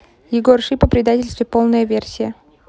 егор шип о предательстве полная версия